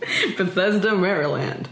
Bethesda, Maryland.